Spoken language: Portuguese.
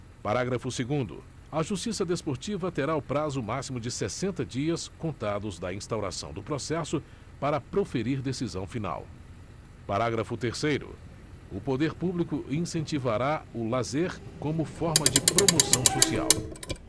parágrafo segundo a justiça desportiva terá o prazo máximo de sessenta dias contados da instauração do processo para proferir decisão final parágrafo terceiro o poder público incentivará o lazer como forma de promoção social